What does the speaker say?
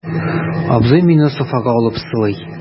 Абзый мине софага алып сылый.